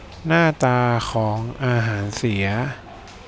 หน้าตาของอาหารเสีย